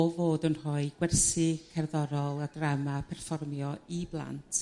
o fod yn rhoi gwersi cerddorol a drama perfformio i blant.